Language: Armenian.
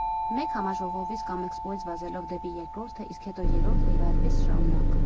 Մեկ համաժողովից կամ էքսպոյից վազելով դեպի երկրորդը, իսկ հետո երրորդը և այդպես շարունակ։